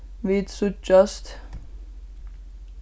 vit síggjast